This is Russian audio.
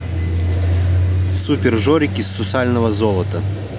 супер жорик из сусального золота